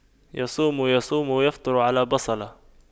يصوم يصوم ويفطر على بصلة